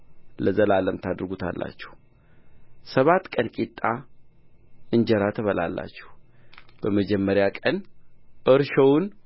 ለዘላለም ታደርጉታላችሁ ሰባት ቀን ቂጣ እንጀራ ትበላላችሁ በመጀመሪያም ቀን እርሾውን